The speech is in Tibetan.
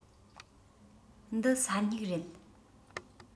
འདི ས སྨྱུག རེད